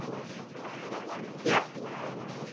Ia. M-...